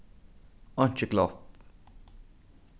einki glopp